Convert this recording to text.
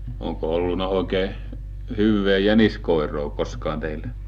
onko ollut oikein hyvää jäniskoiraa koskaan teillä